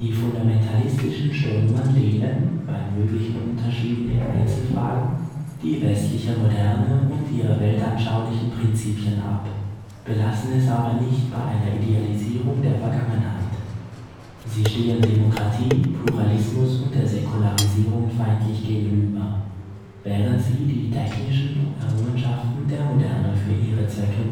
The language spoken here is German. fundamentalistischen Strömungen lehnen – bei möglichen Unterschieden in Einzelfragen (Islamismus) – die westliche Moderne und ihre weltanschaulichen Prinzipien ab, belassen es aber nicht bei einer Idealisierung der Vergangenheit. Sie stehen Demokratie, Pluralismus und der Säkularisierung feindlich gegenüber, während sie die technischen Errungenschaften der Moderne für ihre Zwecke